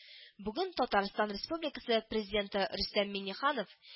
Бүген Татарстан Республикасы Президенты Рөстәм Миңнеханов